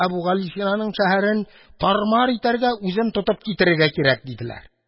Әбүгалисинаның шәһәрен тар-мар итәргә кирәк, үзен тотып китерергә кирәк», – диделәр.